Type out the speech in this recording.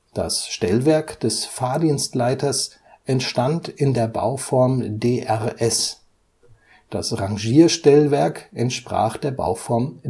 Das Stellwerk des Fahrdienstleiters entstand in der Bauform DrS, das Rangierstellwerk entsprach der Bauform